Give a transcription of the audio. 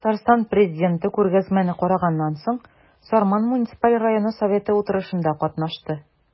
Татарстан Президенты күргәзмәне караганнан соң, Сарман муниципаль районы советы утырышында катнашты.